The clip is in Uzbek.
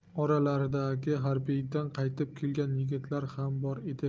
oralaridagi harbiydan qaytib kelgan yigitlar xam bor edi